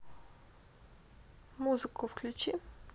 музыку включи